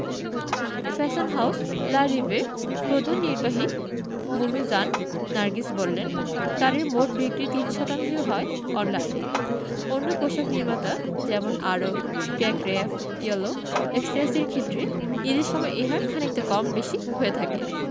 fashion house লা রিবের প্রধান নির্বাহী মুন্নুজান নার্গিস বললেন তাঁদের মোট বিক্রির ৩ শতাংশ হয় অনলাইনে অন্য পোশাক নির্মাতা যেমন আড়ং কে ক্র্যাফট ইয়েলো এক্সট্যাসির ক্ষেত্রে ঈদের সময় এ হার খানিকটা কম বেশি হয়ে থাকে